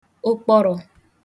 ụkpọrọ̀